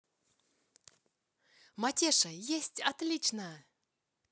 матеша есть отлично